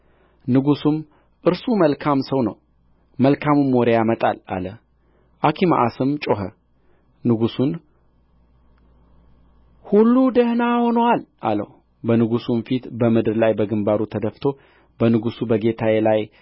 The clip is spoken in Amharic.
ንጉሡም እርሱ መልካም ሰው ነው መልካምም ወሬ ያመጣል አለ አኪማአስም ጮኾ ንጉሡን ሁሉ ደህና ሆኖአል አለው በንጉሡም ፊት በምድር ላይ በግምባሩ ተደፍቶ በንጉሡ በጌታዬ ላይ